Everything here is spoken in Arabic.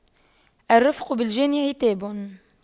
الرفق بالجاني عتاب